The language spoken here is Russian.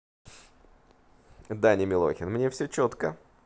даня милохин мне все четко